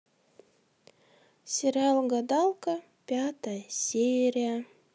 сериал гадалка пятая серия